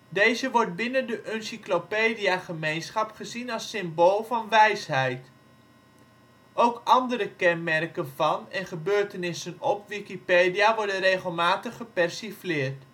Deze wordt binnen de Uncyclopedia-gemeenschap gezien als symbool van wijsheid. Ook andere kenmerken van en gebeurtenissen op Wikipedia worden regelmatig gepersifleerd